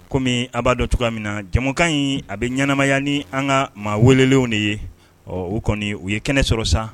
Kɔmi a b'a dɔn tuma min na jamukan in a bɛ ɲɛnɛmaya ni an ka maa welelenw de ye ɔ u kɔni u ye kɛnɛ sɔrɔ san